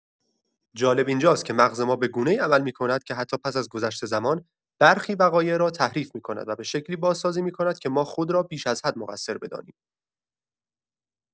جالب اینجاست که مغز ما به‌گونه‌ای عمل می‌کند که حتی پس از گذشت زمان، برخی وقایع را تحریف می‌کند و به‌شکلی بازسازی می‌کند که ما خود را بیش از حد مقصر بدانیم.